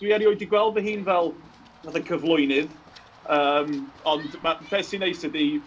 Dwi erioed di gweld fy hun fel fatha cyflwynydd, yym ond ma'... be sy'n neis ydy...